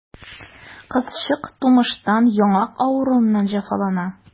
Кызчык тумыштан яңак авыруыннан җәфалана.